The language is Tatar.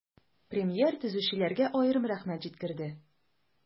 Премьер төзүчеләргә аерым рәхмәт җиткерде.